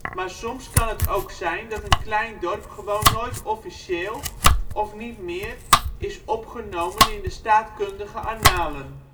Maar soms kan het ook zijn dat een klein dorp gewoon nooit officieel (of niet meer) is opgenomen in de staatkundige annalen